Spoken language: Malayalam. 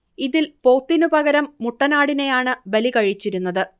ഇതിൽ പോത്തിനു പകരം മുട്ടനാടിനെയാണ് ബലി കഴിച്ചിരുന്നതു്